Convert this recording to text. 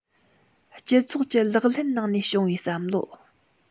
སྤྱི ཚོགས ཀྱི ལག ལེན ནང ནས བྱུང བའི བསམ བློ